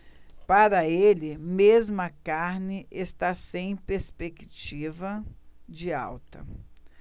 para ele mesmo a carne está sem perspectiva de alta